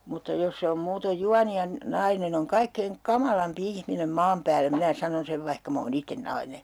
mutta jos se on muuten juoni ja nainen on kaikkein kamalampi ihminen maan päällä minä sanon sen vaikka minä olen itse nainen